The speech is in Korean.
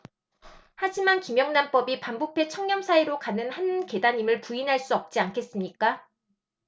하지만 김영란법이 반부패 청렴 사회로 가는 한 계단임을 부인할 수 없지 않겠습니까